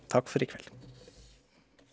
takk for i kveld.